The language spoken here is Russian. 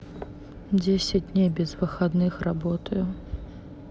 десять дней без выходных работаю